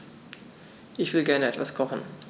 Ich will gerne etwas kochen.